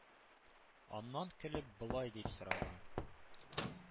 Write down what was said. Аннан көлеп болай дип сораган: